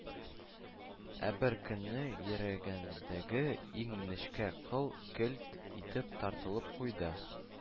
Ә бер көнне йөрәгендәге иң нечкә кыл “келт” итеп тартылып куйды